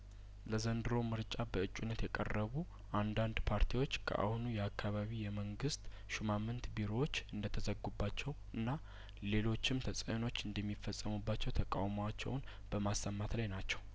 ለዘንድሮው ምርጫ በእጩነት የቀረቡ አንዳንድ ፓርቲዎች ከአሁኑ የአካባቢው የመንግስት ሹማምንት ቢሮዎች እንደተዘጉባቸው እና ሌሎችም ተጽእኖዎች እንደሚፈጸሙባቸው ተቃውሟቸውን በማሰማት ላይ ናቸው